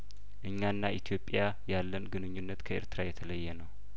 እኛና ኢትዮጵያ ያለን ግንኙነት ከኤርትራ የተለየነው